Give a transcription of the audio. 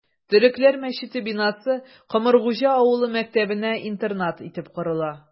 Төрекләр мәчете бинасы Комыргуҗа авылы мәктәбенә интернат итеп корыла...